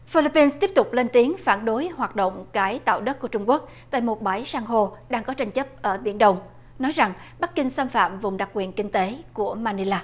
phi líp pin tiếp tục lên tiếng phản đối hoạt động cải tạo đất của trung quốc tại một bãi san hô đang có tranh chấp ở biển đông nói rằng bắc kinh xâm phạm vùng đặc quyền kinh tế của ma lê na